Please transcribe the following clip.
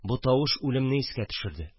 Бу тавыш үлемне искә төшерде